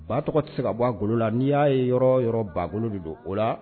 Ba tɔgɔ tɛ se ka bɔ a golo la n'i y'a ye yɔrɔ yɔrɔ ba golo de don o la